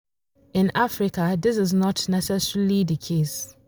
In Africa, this is not necessarily the case.